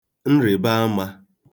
nrị̀bàamā